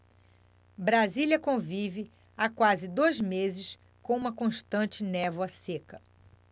brasília convive há quase dois meses com uma constante névoa seca